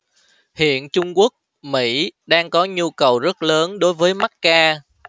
hiện trung quốc mỹ đang có nhu cầu rất lớn đối với mắc ca